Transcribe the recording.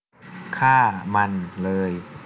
ฆ่ามันเลย